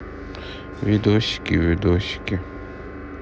видосики видосики